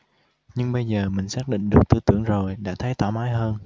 nhưng bây giờ mình xác định được tư tưởng rồi đã thấy thoải mái hơn